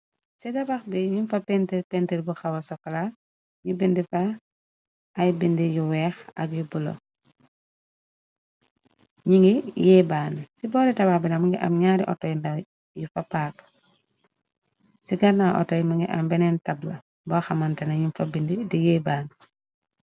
ci tabax bi ñuñ fa paintir paintir bu xawa sokla ñi bind fa ay bind yu weex ak yu bulo ñi ngi yée bann ci boore tabax binam ngi am ñaari outoy nda yu fa paak ci ganna autoy mi ngi am beneen tabla boxamantena ñuñ fa bind di yée baan